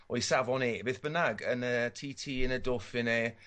o'i safon e beth bynnag yn ti ti yn y Dauphiné.